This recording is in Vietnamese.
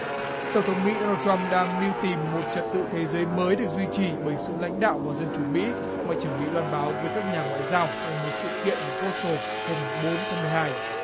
tổng thống mỹ đôn na trăm đang mưu tìm một trật tự thế giới mới được duy trì bởi sự lãnh đạo và dân chủ mỹ ngoại trưởng mỹ loan báo với các nhà ngoại giao tại một sự kiện ở bót sồ hôm mùng bốn tháng mười hai